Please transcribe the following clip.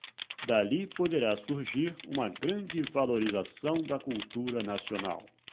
dali poderá surgir uma grande valorização da cultura nacional